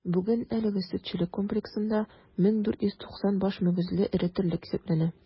Бүген әлеге сөтчелек комплексында 1490 баш мөгезле эре терлек исәпләнә.